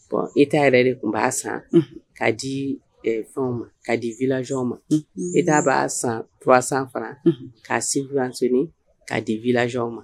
Bɔn eta yɛrɛ de tun b'a san ka di fɛnw ma kaa di vilazuwaw ma eta b'a san turuwasan faran ka sibuvansiyone ka di vilazuwaw ma.